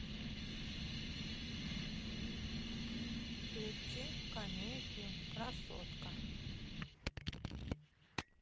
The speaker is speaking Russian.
включи комедию красотка